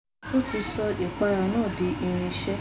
O ti sọ ìpayà náà di irinṣẹ́.